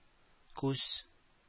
Күз